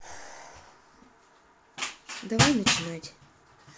давай начинать